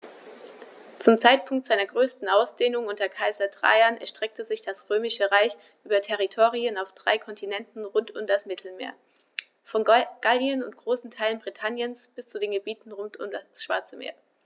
Zum Zeitpunkt seiner größten Ausdehnung unter Kaiser Trajan erstreckte sich das Römische Reich über Territorien auf drei Kontinenten rund um das Mittelmeer: Von Gallien und großen Teilen Britanniens bis zu den Gebieten rund um das Schwarze Meer.